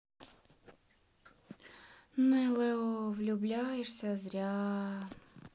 nlo влюбляешься зря